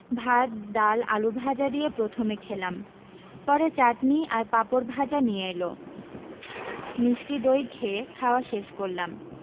ভাত ডাল আলু ভাজা দিয়ে প্রথমে খেলাম পরে চাটনি আর পাপড় ভাজা নিয়ে এলো মিষ্টি দই খেয়ে খাওয়া শেষ করলাম